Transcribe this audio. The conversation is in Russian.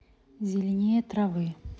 зеленее травы